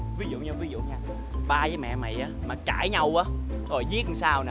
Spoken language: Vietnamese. ví dụ như ví dụ nha ba với mẹ mày á mà cãi nhau á họ viết sao nào